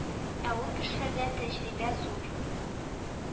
Ә ул кешеләрдә тәҗрибә зур